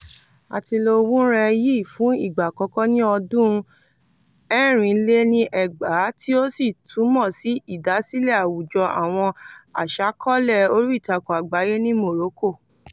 A ti lo wúnrẹ̀n yìí fún ìgbà àkọ́kọ́ ní ọdún 2004 tí ó sì túmọ̀ sí ìdásílẹ̀ àwùjọ àwọn aṣàkọọ́lẹ̀ oríìtakùn àgbáyé ní Morocco.